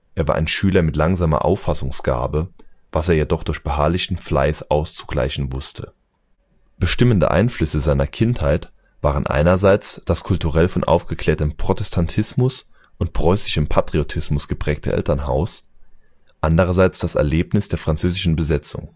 Er war ein Schüler mit langsamer Auffassungsgabe, was er jedoch durch beharrlichen Fleiß auszugleichen wusste. Bestimmende Einflüsse seiner Kindheit waren einerseits das kulturell von aufgeklärtem Protestantismus und preußischem Patriotismus geprägte Elternhaus, andererseits das Erlebnis der französischen Besetzung